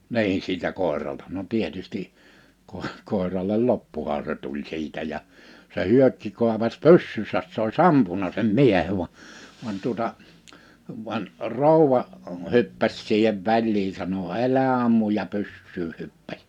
niin sitä koiralta no tietysti - koiralle loppuhan se tuli sitä ja se Hyökki kuopaisi pyssynsä se olisi ampunut sen miehen vaan vaan tuota vaan rouva hyppäsi siihen väliin sanoi älä ammu ja pyssyyn hyppäsi